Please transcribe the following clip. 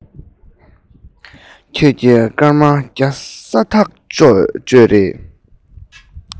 སྐར མ བརྒྱ ཟ ཐག གཅོད རེད